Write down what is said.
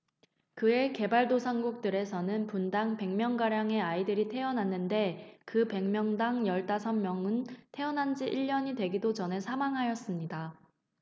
그 해에 개발도상국들에서는 분당 백 명가량의 아이들이 태어났는데 그 백 명당 열 다섯 명은 태어난 지 일 년이 되기도 전에 사망하였습니다